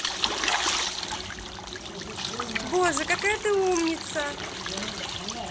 боже какая ты умница